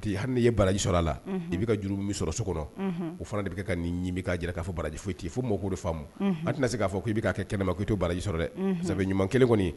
Fana k foyi fo tɛna fɔ kɛ kɛlɛ to dɛ ɲuman